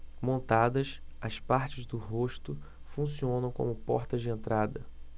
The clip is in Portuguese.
montadas as partes do rosto funcionam como portas de entrada